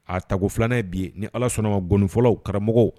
A tago filanan bi ni ala sɔnna ma gɔnifɔlaw karamɔgɔ